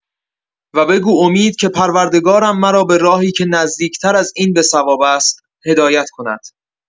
و بگو امید که پروردگارم مرا به راهی که نزدیک‌تر از این به صواب است، هدایت کند.